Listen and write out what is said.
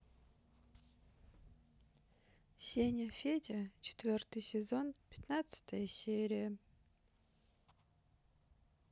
сеня федя четвертый сезон пятнадцатая серия